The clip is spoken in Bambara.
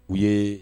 U ye